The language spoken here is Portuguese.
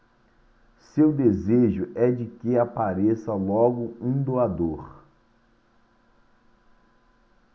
seu desejo é de que apareça logo um doador